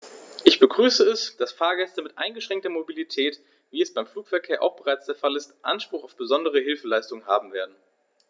Ich begrüße es, dass Fahrgäste mit eingeschränkter Mobilität, wie es beim Flugverkehr auch bereits der Fall ist, Anspruch auf besondere Hilfeleistung haben werden.